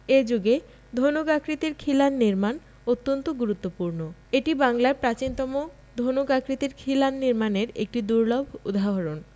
এ যুগে ধনুক আকৃতির খিলান নির্মাণ অত্যন্ত গুরুত্বপূর্ণ এটি বাংলার প্রাচীনতম ধনুক আকৃতির খিলান নির্মাণের একটি দুর্লভ উদাহরণ